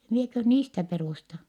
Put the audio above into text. minäkös niistä perustan